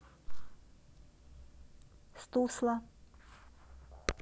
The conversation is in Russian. стусла